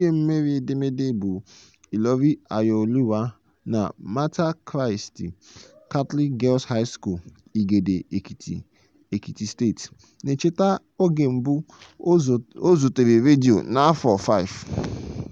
Onye mmeri edemede bụ Ìlọ̀rí Ayọ̀olúwa nke Mater Christi Catholic Girls' High School, Igede Èkìtì, Èkìtì State, na-echeta oge mbụ o zutere redio na afọ 5: